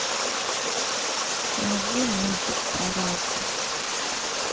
найди мультик про рака